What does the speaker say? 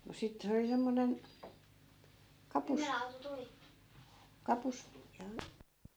no sitten se oli semmoinen kapus kapus ja